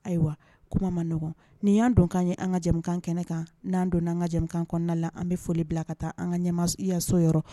Ayiwa kuma ma nɔgɔn nin y'an don k'an ye an ŋa jɛmukan kɛnɛ kan n'an donna an ŋa jɛmukan kɔɔna la an be foli bila ka taa an ŋa ɲɛmas yaso yɔrɔ